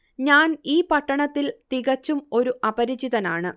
ഞാൻ ഈ പട്ടണത്തിൽ തികച്ചും ഒരു അപരിചിതനാണ്